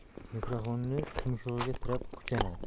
mikrofonni tumshug'iga tirab kuchanadi